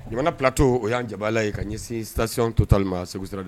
Jamana ptɔ o y'an jaabi la ye ka ɲɛsin sasiyon to ta ma segudi